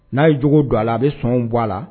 N'a ye juguw don a la a be sɔnw bɔ a la